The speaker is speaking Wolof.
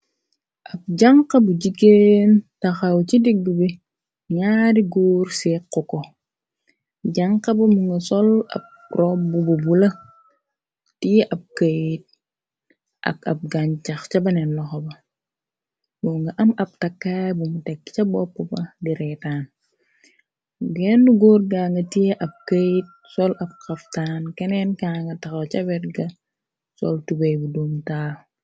ab janxa bu jigeen taxaw ci digg bi ñaari góur siqu ko janxa ba mu nga sol ab robbu bu bula tie ab këyit ak ab gan cax ca baneen loxo ba boo nga am ab takkaay bumu tekk ca bopp ba di reetaan genn góor ganga tie ab këyit sol ab xaftaan keneen kaanga taxaw ca werga sol tubey bu duum taaw